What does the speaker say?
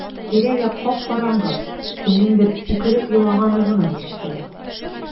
Тирә-як кап-караңгы, кемнеңдер үкереп елаганы гына ишетелә.